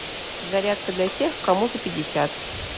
зарядка для тех кому за пятьдесят